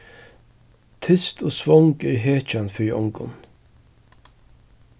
tyst og svong er hetjan fyri ongum